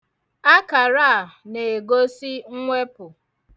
Akara a na-egosi mwepu.